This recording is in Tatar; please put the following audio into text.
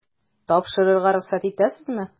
Тапшырырга рөхсәт итәсезме? ..